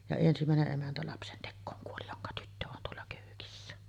ja ensimmäinen emäntä lapsentekoon kuoli jonka tyttö on tuolla kyökissä